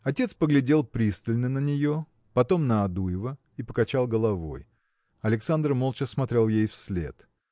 Отец поглядел пристально на нее, потом на Адуева и покачал головой. Александр молча смотрел ей вслед.